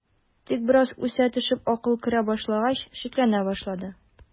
Тик бераз үсә төшеп акыл керә башлагач, шикләнә башлады.